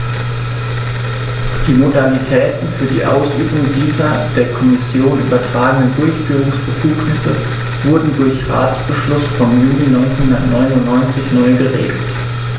Die Modalitäten für die Ausübung dieser der Kommission übertragenen Durchführungsbefugnisse wurden durch Ratsbeschluss vom Juni 1999 neu geregelt.